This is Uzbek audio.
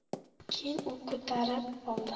keyin u ko'tarib oldi